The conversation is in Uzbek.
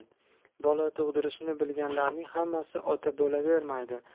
bola tug'dirishni bilganlarning hammasi ota bo'lavermaydi